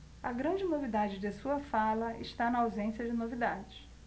a grande novidade de sua fala está na ausência de novidades